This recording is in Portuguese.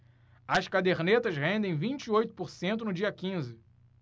as cadernetas rendem vinte e oito por cento no dia quinze